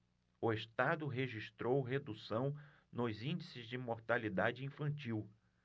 o estado registrou redução nos índices de mortalidade infantil